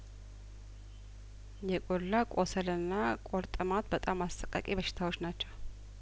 የቆላ ቁስልና ቁርጥማት በጣም አሰቃቂ በሽታዎች ናቸው